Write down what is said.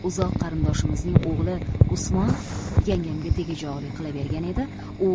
uzoq qarindoshimizning o'g'li usmon yangamga tegajoqlik qilavergan edi